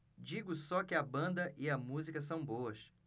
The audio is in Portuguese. digo só que a banda e a música são boas